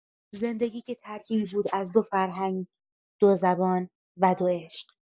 زندگی‌ای که ترکیبی بود از دو فرهنگ، دو زبان، و دو عشق